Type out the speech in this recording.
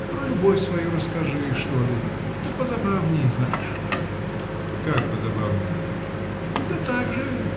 Про любовь свою расскажи, что ли. да позабавней, знаешь. -- Как позабавней? -- Да так же.